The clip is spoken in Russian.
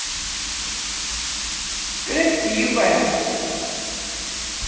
красивая